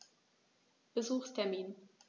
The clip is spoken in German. Besuchstermin